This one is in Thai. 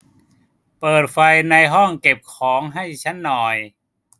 เปิดไฟในห้องเก็บของให้ฉันหน่อย